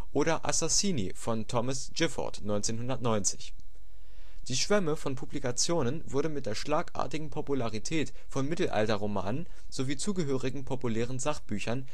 oder „ Assassini “von Thomas Gifford (1990). Die Schwemme von Publikationen wurde mit der schlagartigen Popularität von Mittelalterromanen sowie zugehörigen populären Sachbüchern